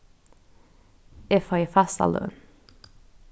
eg fái fasta løn